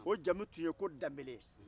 o jamu tun ye ko danbɛlɛ